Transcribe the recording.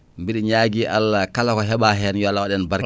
mbiɗa ñaagui Allah kala ko heɓa hen yo Allah wathen barke